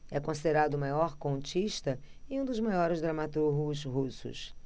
é considerado o maior contista e um dos maiores dramaturgos russos